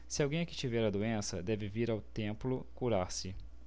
se alguém aqui tiver a doença deve vir ao templo curar-se